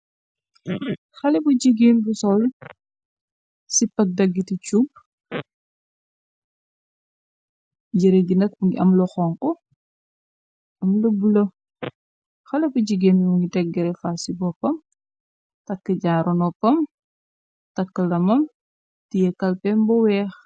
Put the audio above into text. x b soll ci pag daggiti cup jëre ginak m ngi amlo xonk xale bu jigéen bi mu ngi teggere faas ci boppam takk janronoppam takk lamoom tie kalpen bo weex